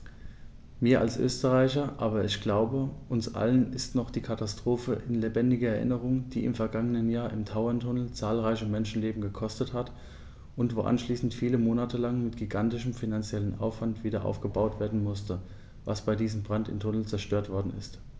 Mir als Österreicher, aber ich glaube, uns allen ist noch die Katastrophe in lebendiger Erinnerung, die im vergangenen Jahr im Tauerntunnel zahlreiche Menschenleben gekostet hat und wo anschließend viele Monate lang mit gigantischem finanziellem Aufwand wiederaufgebaut werden musste, was bei diesem Brand im Tunnel zerstört worden ist.